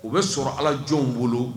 O bɛ sɔrɔ ala jɔnw bolo